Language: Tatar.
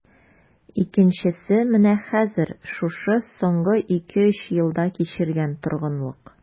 Икенчесе менә хәзер, шушы соңгы ике-өч елда кичергән торгынлык...